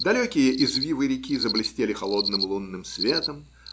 Далекие извивы реки заблестели холодным лунным светом